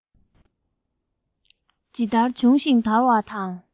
ཇི ལྟར བྱུང ཞིང དར བ དང